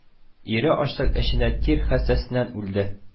Ире ачлык эчендә тир хәстәсеннән үлде